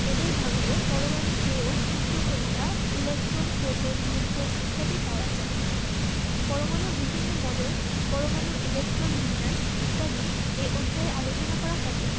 এদের ভাঙলে পরমাণুর চেয়েও ক্ষুদ্র কণিকা ইলেকট্রন প্রোটন নিউট্রন ইত্যাদি পাওয়া যায় পরমাণুর বিভিন্ন মডেল পরমাণুর ইলেকট্রন বিন্যাস ইত্যাদি এ অধ্যায়ে আলোচনা করা হবে